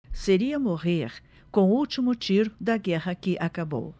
seria morrer com o último tiro da guerra que acabou